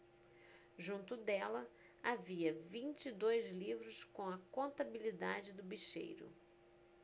junto dela havia vinte e dois livros com a contabilidade do bicheiro